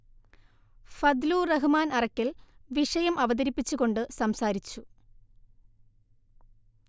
ഫദ്ലു റഹ്മാൻ അറക്കൽ വിഷയ അവതരിപ്പിച്ച് കൊണ്ട് സംസാരിച്ചു